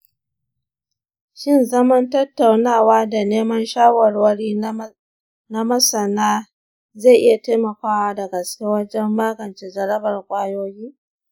shin zaman tattaunawa da neman shawarwari na masana zai iya taimakawa da gaske wajen magance jarabar ƙwayoyi?